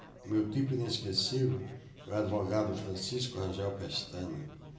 meu tipo inesquecível é o advogado francisco rangel pestana